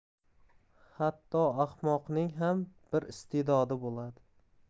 hatto ahmoqning ham bir istedodi bo'ladi